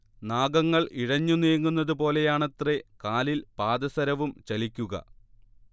നാഗങ്ങൾ ഇഴഞ്ഞുനീങ്ങുന്നത് പോലെയാണത്രെ കാലിൽ പാദസരവും ചലിക്കുക